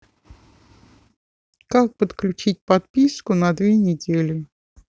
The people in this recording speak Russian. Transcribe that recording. как подключить подписку на две недели